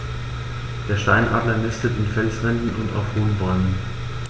Der Steinadler nistet in Felswänden und auf hohen Bäumen.